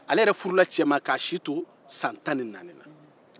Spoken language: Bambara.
ale yɛrɛ furula cɛ ma k'a si to san tan ni naani na